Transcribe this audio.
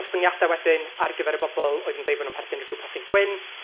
Gostyngiadau wedyn ar gyfer y bobl oedd yn deud bod nhw'n perthyn i'r grŵp ethnig gwyn.